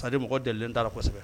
Sa mɔgɔ deli taarasɛbɛ